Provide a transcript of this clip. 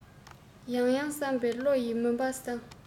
ཡང ཡང བསམ པས བློ ཡི མུན པ སངས